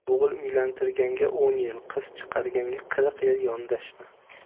o'g'il uylantirganga o'n yil qiz chiqarganga qirq yil yondashma